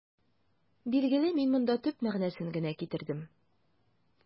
Билгеле, мин монда төп мәгънәсен генә китердем.